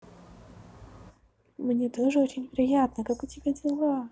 мне тоже очень приятно как у тебя дела